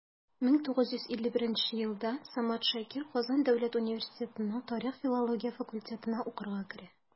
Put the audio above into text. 1951 елда самат шакир казан дәүләт университетының тарих-филология факультетына укырга керә.